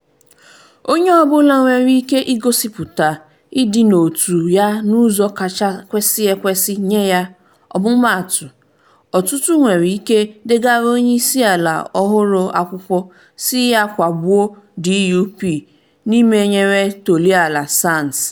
Onye ọbụla nwere ike igosipụta ịdị n'otu ya n'ụzọ kacha kwesị ekwesị nye ya - ọmụmaatụ, ọtụtụ nwere ike degara onyeisiala ọhụrụ akwụkwọ sị ya kagbuo DUP n'imenyere Toliara Sands.